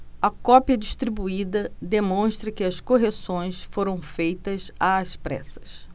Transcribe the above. a cópia distribuída demonstra que as correções foram feitas às pressas